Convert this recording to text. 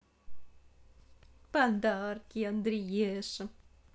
подарки андриеша